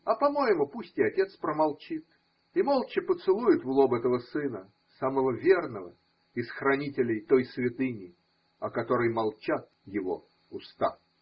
А по-моему, пусть и отец промолчит и молча поцелует в лоб этого сына – самого верного из хранителей той святыни, о которой молчат его уста.